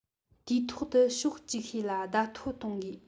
དུས ཐོག ཏུ ཕྱོགས ཅིག ཤོས ལ བརྡ ཐོ གཏོང དགོས